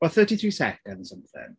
Well thirty two seconds something.